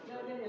waaw